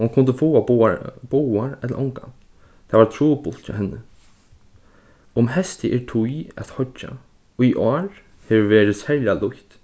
hon kundi fáa báðar báðar ella ongan tað var trupult hjá henni um heystið er tíð at hoyggja í ár hevur verið serliga lýtt